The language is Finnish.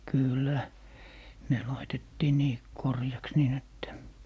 kyllä ne laitettiin niin koreaksi niin että